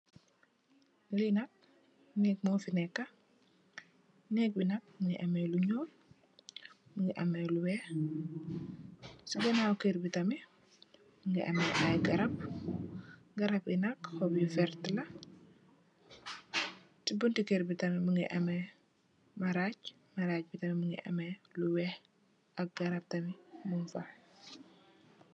Li nak neek mofi neka neek bi nak Mungi ameh lu nyuul Mungi ameh lu weih sey ganaw kerr bi tamit Mungi ameh i garab garabi nak yu verteh la sey bunti kerr bi tamit Mungi ameh marag marag bi nak Mungi ameh lu weih ak garab tamit